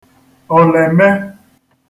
òlème